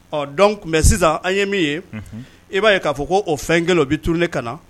Ɔ dɔn mɛ sisan an ye min ye i b'a ye k'a fɔ ko o fɛn kelen o bi turunurunen ka na